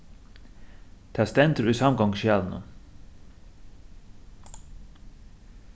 tað stendur í samgonguskjalinum